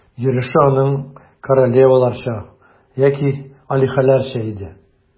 Йөреше аның королеваларча яки алиһәләрчә иде.